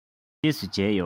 རྗེས སུ མཇལ ཡོང